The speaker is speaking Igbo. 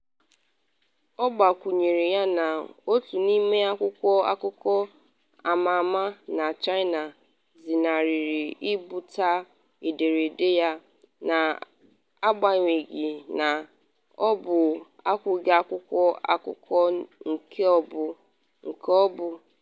Ọ gbakwunyere na “otu n’ime akwụkwọ akụkọ ama ama na China zenarịrị ibiputa” ederede ya, n’agbanyeghị na o kwughị akwụkwọ akụkọ nke ọ bụ.